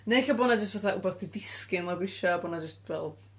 Neu ella bod 'na jyst fatha wbath 'di disgyn lawr grisiau, bo' 'na jyst fel...